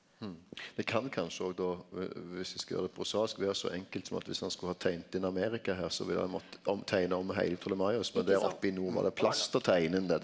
det kan kanskje òg då viss me skal gjere det prosaisk vere så enkelt som at viss han skulle ha teikna inn Amerika her så ville han teikna om heile Ptolemaios men der oppi nord var der plass til å teikne inn det.